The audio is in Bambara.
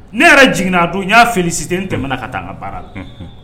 Ne yɛrɛ jigin'a don n y'a filisiden tɛmɛna ka taa ka baara la